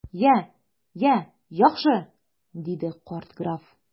Я, я, яхшы! - диде карт граф.